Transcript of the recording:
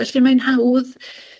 Felly mae'n hawdd